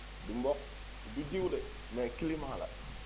du mboq du jiwu de mais climat la